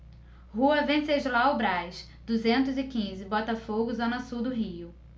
rua venceslau braz duzentos e quinze botafogo zona sul do rio